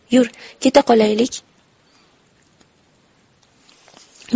yur keta qolaylik